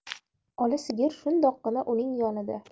ola sigir shundoqqina uning yonida